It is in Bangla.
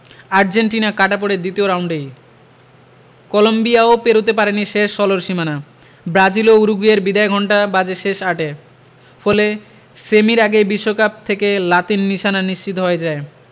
আর্জেন্টিনা কাটা পড়ে দ্বিতীয় রাউন্ডেই কলম্বিয়াও পেরোতে পারেনি শেষ ষোলোর সীমানা ব্রাজিল ও উরুগুয়ের বিদায়ঘণ্টা বাজে শেষ আটে ফলে সেমির আগেই বিশ্বকাপ থেকে লাতিন নিশানা নিশ্চিত হয়ে যায়